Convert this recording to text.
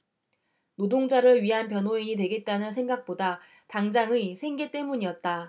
노동자를 위한 변호인이 되겠다는 생각보다 당장의 생계 때문이었다